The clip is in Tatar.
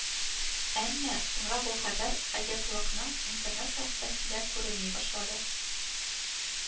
Әмма, соңрак ул хәбәр агентлыкның интернет сәхифәсендә күренми башлады